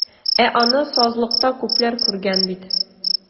Ә аны сазлыкта күпләр күргән бит.